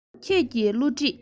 ཁྱེད ཀྱི བསླུ བྲིད